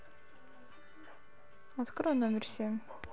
открой номер семь